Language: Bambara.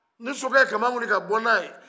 ni sokɛ ye kama wili ka bɔ ni a ye